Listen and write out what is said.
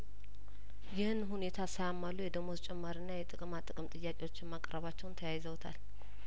ይህን ሁኔታ ሳያሟሉ የደሞዝ ጭማሪና የጥቅማ ጥቅም ጥያቄዎችን ማቅረባቸውን ተያይዘውታል